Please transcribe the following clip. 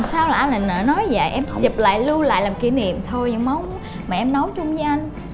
sao lại anh lại nỡ nói vậy em chụp lại lưu lại làm kỉ niệm thôi những món mà em nấu chung với anh